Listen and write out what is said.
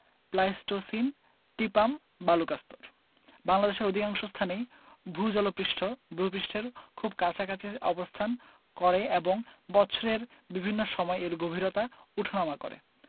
Pleistocene টিপাম বালুকাস্তর বাংলাদেশের অধিকাংশ স্থানেই ভূ জল পৃষ্ঠ ভূ পৃষ্ঠের খুব কাছাকাছি অবস্থান করে এবং বৎসরের বিভিন্ন সময় এর গভীরতা উঠানামা করে